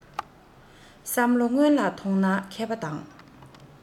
བསམ བློ སྔོན ལ ཐོངས ན མཁས པ དང